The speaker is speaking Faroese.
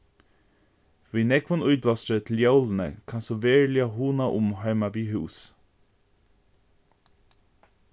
við nógvum íblástri til jólini kanst tú veruliga hugna um heima við hús